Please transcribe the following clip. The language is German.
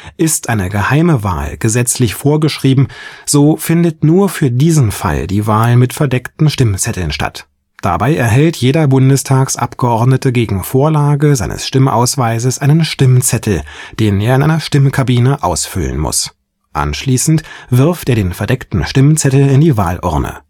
Ist eine geheime Wahl gesetzlich vorgeschrieben, so findet nur für diesen Fall die Wahl mit verdeckten Stimmzetteln statt. Dabei erhält jeder Bundestagsabgeordnete gegen Vorlage seines Stimmausweises einen Stimmzettel, den er in einer Stimmkabine ausfüllen muss. Anschließend wirft er den verdeckten Stimmzettel in die Wahlurne